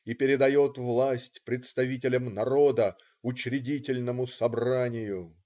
и передает власть представителям народа - Учредительному собранию.